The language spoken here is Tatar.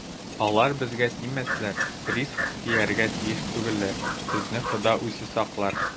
- алар безгә тимәсләр, приск, тияргә тиеш түгелләр, безне хода үзе саклар.